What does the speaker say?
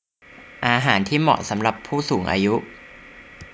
อาหารที่เหมาะสำหรับผู้สูงอายุ